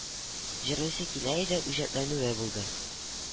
Җырлыйсы килә иде, үҗәтләнүе булды